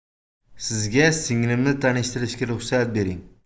sizga singlimni tanishtirishga ruxsat bering